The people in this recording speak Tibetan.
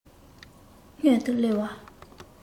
སྔོན དུ གླེང བ